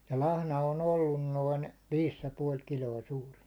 ja lahna on ollut noin viisi ja puoli kiloinen suurin